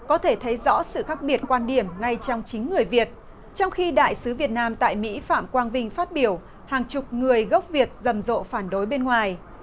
có thể thấy rõ sự khác biệt quan điểm ngay trong chính người việt trong khi đại sứ việt nam tại mỹ phạm quang vinh phát biểu hàng chục người gốc việt rầm rộ phản đối bên ngoài